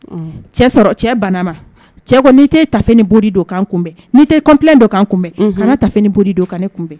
Cɛ bana ma cɛ n'i tɛ taf bodi don kan kunbɛn n kɔnfi don kan kunbɛn kana taf b don kan ne kunbɛn